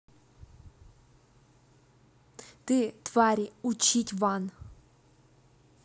ты твари учить ван